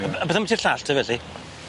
A b- a beth ambyti'r llall te felly?